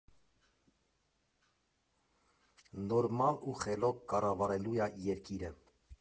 Նորմալ ու խելոք կառավարելույա երկիրը…